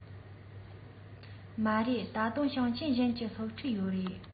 མ རེད ད དུང ཞིང ཆེན གཞན གྱི སློབ ཕྲུག ཡོད རེད